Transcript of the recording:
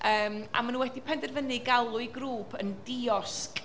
Yym a maen nhw wedi penderfynu galw eu grŵp yn diosg.